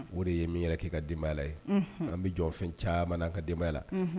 O de ye min yɛrɛ k'i ka denbayala ye an bɛ jɔ fɛn caman n'an ka denbaya la